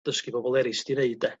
dysgu bobol erill sud i neud de?